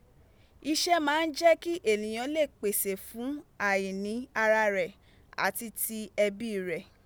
Iṣẹ́ máa ń jẹ́ kí ènìyàn lè pèsè fún àìní ara rẹ̀ àti ti ẹbí rẹ̀.